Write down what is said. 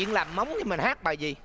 làm móng thì mình hát bài gì